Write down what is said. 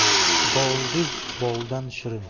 boldiz boldan shirin